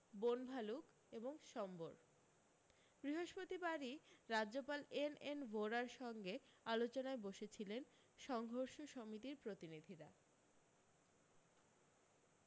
বন ভালুক এবং সম্বর বৃহস্পতিবারি রাজ্যপাল এন এন ভোরার সঙ্গে আলোচনায় বসেছিলেন সংঘর্ষ সমিতির প্রতিনিধিরা